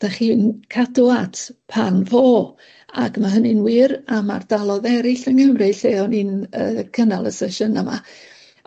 'dach chi'n cadw at pan fo ac ma' hynny'n wir am ardalodd eryll yng Nghymru lle o'n i'n yy cynnal y sesiyna 'ma